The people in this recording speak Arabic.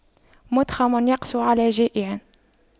مُتْخَمٌ يقسو على جائع